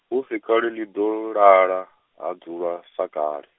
hu si kale ḽi ḓo, lala, ha dzulwa, sa kale .